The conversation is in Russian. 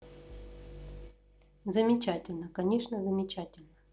замечательно конечно замечательно